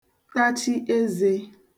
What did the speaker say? tachi ezē